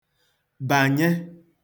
bànye